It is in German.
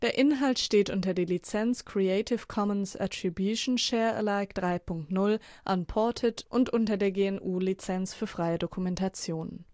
Inhalt steht unter der Lizenz Creative Commons Attribution Share Alike 3 Punkt 0 Unported und unter der GNU Lizenz für freie Dokumentation